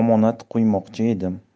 omonat qo'ymoqchi edim